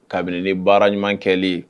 Kabini ni baara ɲuman kɛli